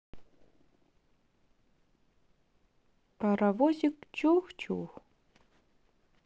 паровозик чух чух